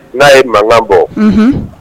N'a ye mankan bɔ, unhun